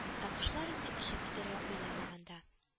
Ә кошлар инде очып китәргә уйламаган да